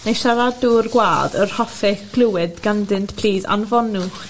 ne' siaradwr gwadd yr hoffich glywyd gandynt plîs anfonwch